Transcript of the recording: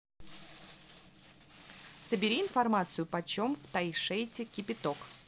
собери информацию по чем в тайшете кипяток